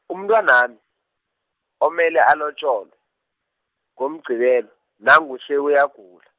umntwanami, omele alotjolwe, ngoMgqibelo, nangu sewuyagula.